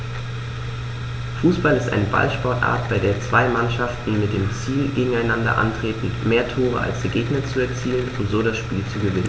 Fußball ist eine Ballsportart, bei der zwei Mannschaften mit dem Ziel gegeneinander antreten, mehr Tore als der Gegner zu erzielen und so das Spiel zu gewinnen.